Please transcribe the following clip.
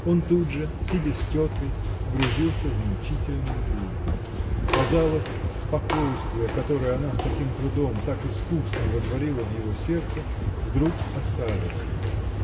Он тут же, сидя с теткой, погрузился в мучительные думы. Казалось спокойствие которое она с таким трудом так искусно водворила в его сердце вдруг оставило его.